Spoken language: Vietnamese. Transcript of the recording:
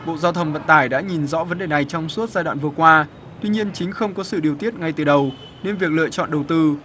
bộ giao thông vận tải đã nhìn rõ vấn đề này trong suốt giai đoạn vừa qua tuy nhiên chính không có sự điều tiết ngay từ đầu nên việc lựa chọn đầu tư